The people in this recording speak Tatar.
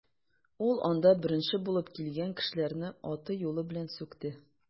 Ул анда беренче булып килгән кешеләрне аты-юлы белән сүкте.